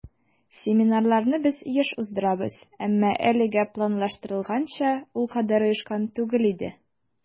Семинарларны без еш уздырабыз, әмма әлегә планлаштырылганча ул кадәр оешкан түгел иде.